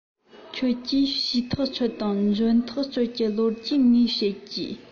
ཁྱོད ཀྱིས བྱས ཐག ཆོད དང འཇོན ཐག ཆོད ཀྱི ལོ རྒྱུས ངས བཤད ཀྱིས